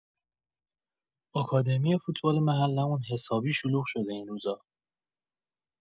آکادمی فوتبال محله‌مون حسابی شلوغ شده این روزا.